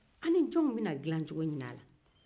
an ni jɔn bɛna dilacogo ɲini a la